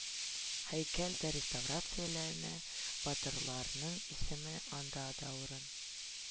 Һәйкәл дә реставрацияләнә, батырларның исеме анда да урын